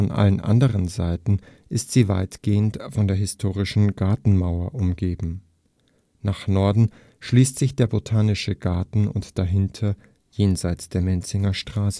allen anderen Seiten ist sie weitgehend von der historischen Gartenmauer umschlossen. Nach Norden schließt sich der Botanische Garten an und dahinter, jenseits der Menzinger Straße